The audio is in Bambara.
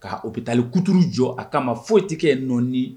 K' o bɛ taa kuttuuru jɔ a kama ma foyi tɛ nɔɔni